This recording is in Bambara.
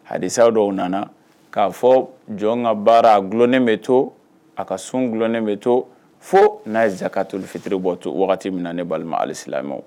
Hadisa dɔw nana k'a fɔ jɔn ŋa baara a dulonen be to a ka sun dulonen be to fo n'a ye zakatul fitr bɔ tu wagati min na ne balima alisilamɛw